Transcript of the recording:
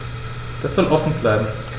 Das soll offen bleiben.